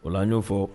O la y'o fɔ